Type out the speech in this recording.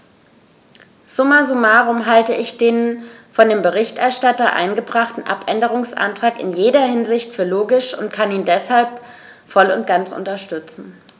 Summa summarum halte ich den von dem Berichterstatter eingebrachten Abänderungsantrag in jeder Hinsicht für logisch und kann ihn deshalb voll und ganz unterstützen.